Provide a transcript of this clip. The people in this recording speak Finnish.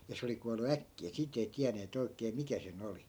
ja se oli kuollut äkkiä siitä ei tienneet oikein mikä sen oli